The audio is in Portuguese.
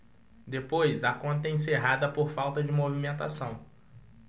depois a conta é encerrada por falta de movimentação